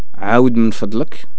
عاود من فضلك